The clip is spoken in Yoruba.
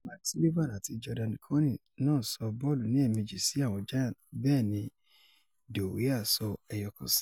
Mike Sullivan àti Jordan Cownie náà sọ bọ́ọ̀lù ní èẹ̀mejì sí àwọ̀n Giants. Bẹ́ẹ̀ ni Dwyer sọ ẹyọ kan si i.